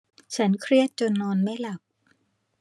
ฉันเครียดจนอนไม่หลับ